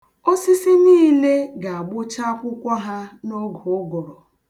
Osisi niile ga-agbụcha akwụkwọ ha n'oge ụgụrụ.